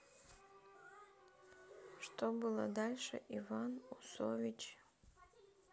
что было дальше иван усович